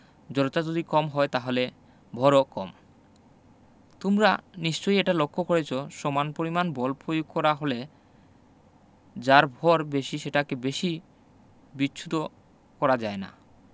জড়তা যদি কম হয় তাহলে ভরও কম তোমরা নিশ্চয়ই এটা লক্ষ করেছ সমান পরিমাণ বল পয়োগ করা হলে যার ভর বেশি সেটাকে বেশি বিচ্যুত করা যায় না